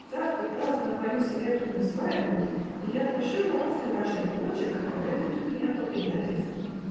Завтра праздную мою серебряную свадьбу, и я прошу вас и ваших дочек отобедать у меня по-приятельски".